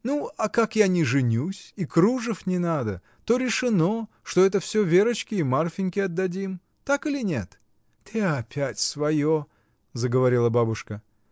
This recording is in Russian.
— Ну а как я не женюсь и кружев не надо, то решено, что это всё Верочке и Марфиньке отдадим. Так или нет? — Ты опять свое! — заговорила бабушка.